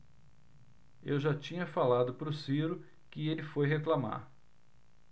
eu já tinha falado pro ciro que ele foi reclamar